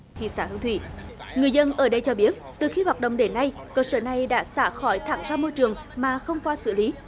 thị xã hương thủy người dân ở đây cho biết từ khi hoạt động đến nay cơ sở này đã xả khói thẳng ra môi trường mà không qua xử lý